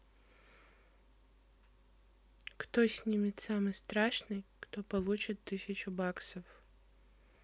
кто снимет самый страшный кто получит тысячу баксов